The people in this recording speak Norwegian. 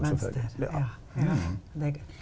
mønster ja ja .